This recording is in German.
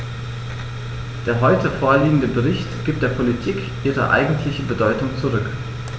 Der heute vorliegende Bericht gibt der Politik ihre eigentliche Bedeutung zurück.